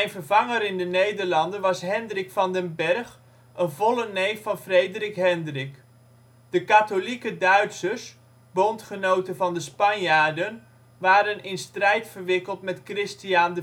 vervanger in de Nederlanden was Hendrik van den Bergh, een volle neef van Frederik Hendrik. De katholieke Duitsers, bondgenoten van de Spanjaarden, waren in strijd verwikkeld met Christiaan